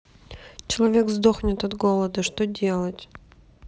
человек здохнет от холода что делать